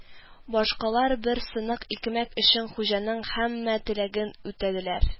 Башкалар бер сынык икмәк өчен хуҗаның һәммә теләген үтәделәр